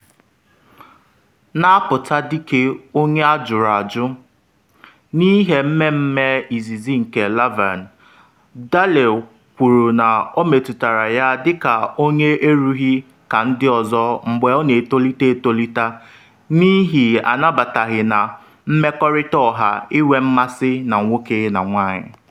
Na-apụta dịka onye ajụrụ ajụ n’ihe mmemme izizi nke Laverne, Daley kwuru na ọ metụtara ya dịka “onye erughị” ka ndị ọzọ mgbe ọ na-etolite etolite n’ihi “anabataghị na mmekọrịta ọha inwe mmasị na nwoke na nwanyị.”